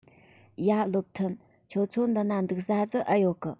ཡ བློ མཐུན ཁྱོད ཚོའི འདི ན འདུག ས ཟིག ཨེ ཡོད གི